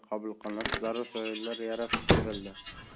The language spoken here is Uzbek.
qabul qilinib zarur sharoitlar yaratib berildi